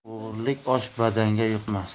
o'g'irlik osh badanga yuqmas